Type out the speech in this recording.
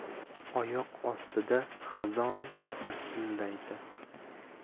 oyoq ostida xazon xirsillaydi